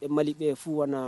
E malikɛ fuana